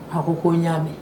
A ko y'a mɛn